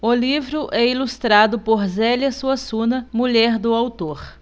o livro é ilustrado por zélia suassuna mulher do autor